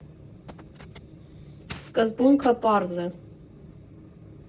Սկզբունքը պարզ է.